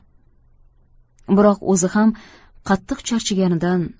biroq o'zi ham qattiq charchaganidan